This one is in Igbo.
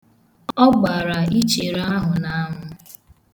Ọ gbara ichere ahụ n'anwụ.